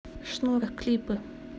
шнур клипы